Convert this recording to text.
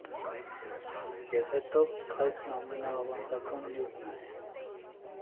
Եվ հետո, փայտն ամենաավանդական նյութն է.